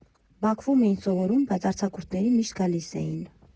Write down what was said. Բաքվում էին սովորում, բայց արձակուրդներին միշտ գալիս էին։